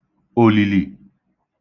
òlìlì